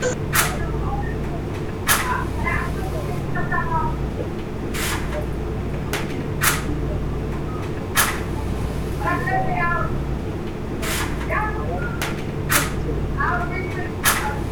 Meshan waxaa taagan boombalo shaati cadaan ah xiran